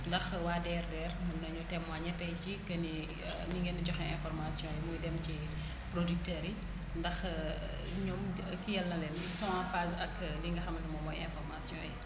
ndax waa DRDR mun nañu témoigner tay jii que ni ni ngeen di joxee information yu dem ci producteurs yi ndax ñoom kiiyal na leen ils sont en phase ak li nga xam moom mooy information yi